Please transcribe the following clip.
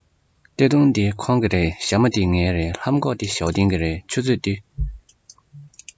སྟོད ཐུང འདི ཁོང གི རེད ཞྭ མོ འདི ངའི རེད ལྷམ གོག འདི ཞའོ ཏིང གི རེད ཆུ ཚོད འདི ཁོའི རེད